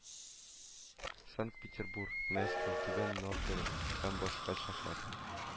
Санкт-Петербург, Мәскәү, Түбән Новгород һәм башка шәһәр,